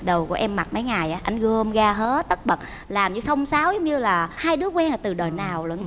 đồ của em mặc mấy ngày á anh gom ra hết tất bật làm như xông xáo giống như là hai đứa quen từ đời nào lận